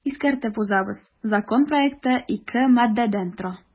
Искәртеп узабыз, закон проекты ике маддәдән тора.